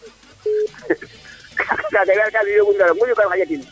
kaga daal kam fiyo gun nda roog moƴu kam xaƴa tin